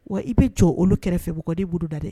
Wa i bɛ jɔ olu kɛrɛfɛ bdi buru da dɛ